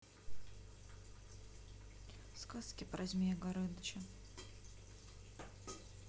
сказки про змея горыныча